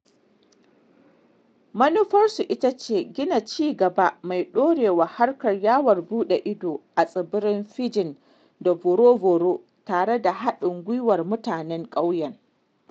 Manufarsu ita ce gina ci gaba da ɗorewar harkar yawon buɗe ido a tsibirin Fijian da Vorovoro tare da haɗin gwiwar mutanen ƙauyen.